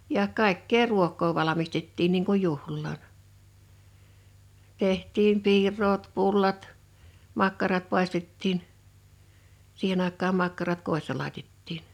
ja kaikkea ruokaa valmistettiin niin kuin juhlaan tehtiin piiraat pullat makkarat paistettiin siihen aikaan makkarat kodissa laitettiin